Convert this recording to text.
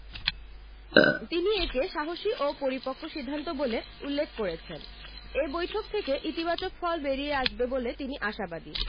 তিনি একে সাহসী ও পরিপক্ব সিদ্ধান্ত বলে উল্লেখ করেছেন এ বৈঠক থেকে ইতিবাচক ফল বেরিয়ে আসবে বলে তিনি আশাবাদী